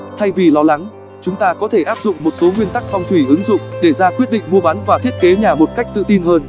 thay vì lo lắng chúng ta có thể áp dụng một số nguyên tắc phong thủy ứng dụng để ra quyết định mua bán và thiết kế nhà một cách tự tin hơn